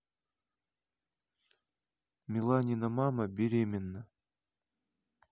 миланина мама беременна